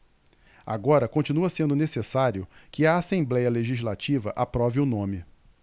agora continua sendo necessário que a assembléia legislativa aprove o nome